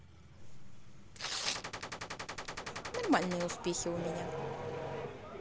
нормальные успехи у меня